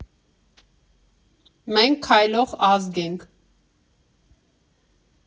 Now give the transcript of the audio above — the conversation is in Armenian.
Մենք քայլող ազգ ենք։